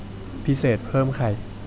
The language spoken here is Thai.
พิเศษเพิ่มไข่